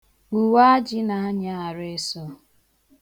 Akwaajị na-anyị arụ ịsụ.